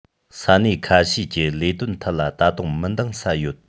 ས གནས ཁ ཤས ཀྱི ལས དོན ཐད ལ ད དུང མི འདང ས ཡོད